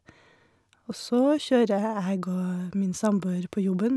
Og så kjører jeg og min samboer på jobben.